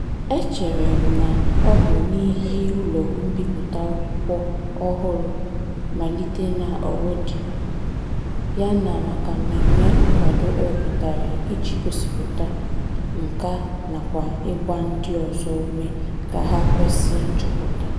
MKH: Echere m na ọ bụ n'ihi ụlọ mbipụta akwụkwọ ọhụrụ, malite na Awoudy, yana maka mmemme nkwado e wepụtara iji gosịpụta nkà nakwa ịgba ndị ọzọ ume ka ha kwesị nchọpụta.